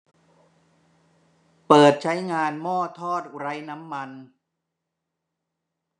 เปิดใช้งานหม้อทอดไร้น้ำมัน